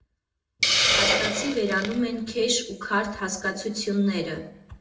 Փաստացի վերանում են քեշ ու քարտ հասկացությունները։